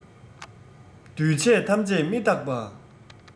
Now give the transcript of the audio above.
འདུས བྱས ཐམས ཅད མི རྟག པ